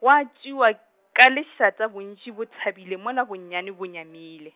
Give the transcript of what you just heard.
gwa tšwewa, ka lešata bontši bo thabile mola bonyane bo nyamile.